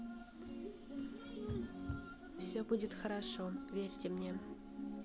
все будет хорошо верьте мне